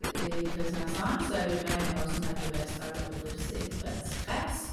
I Kristiansand så er vi med i noe som heter Vest-Agder bedriftsidrettskrets.